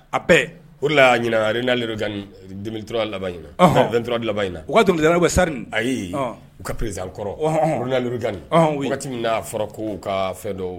A bɛɛ ola y'a ɲin rina redanituraurala laban ɲinitura laban in na u wagalabɔ sari a ye u ka perezan kɔrɔurununaina dani waati min'a fɔra ko ka fɛ dɔ